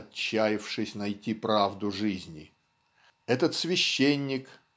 "отчаявшись найти правду жизни" этот священник